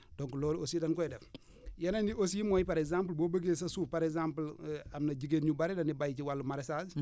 donc loolu aussi dañ koy def yeneen yi aussi mooy par exemple boo bëggee sa suuf par exemple am na jigéen ñu bare dañuy bay ci wàllu maraîchage